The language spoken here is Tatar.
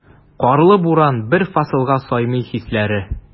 Карлы буран, бер фасылга сыймый хисләре.